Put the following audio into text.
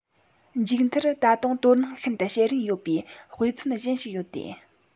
མཇུག མཐར ད དུང དོ སྣང ཤིན ཏུ བྱེད རིན ཡོད པའི དཔེ མཚོན གཞན ཞིག ཡོད དེ